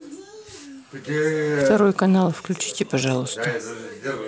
второй канал включите пожалуйста